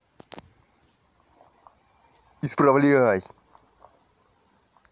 исправляй